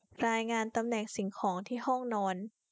รายงานตำแหน่งสิ่งของที่ห้องนอน